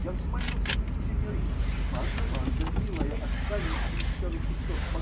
Я взмолился: -- Синьорина, панна Ванда, милая, останемся еще на часок.